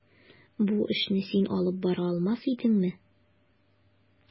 Бу эшне син алып бара алмас идеңме?